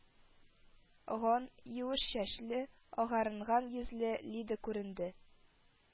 Ган, юеш чәчле, агарынган йөзле лида күренде